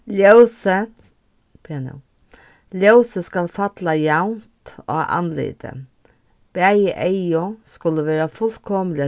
ljósið bíða nú ljósið skal falla javnt á andlitið bæði eygu skulu vera fullkomiliga